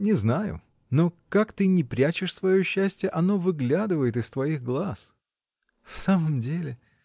— Не знаю: но как ты ни прячешь свое счастье, оно выглядывает из твоих глаз. — В самом деле?